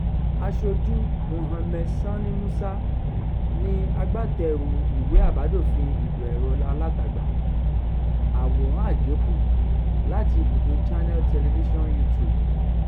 Aṣojú Mohammed Sani Musa ni agbátẹrùu ìwé àbádòfin ìlò ẹ̀rọ alátagbà. Àwòrán àgékù láti ibùdó Channel Television You Tube .